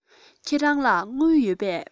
ཁྱེད རང ལ དངུལ ཡོད པས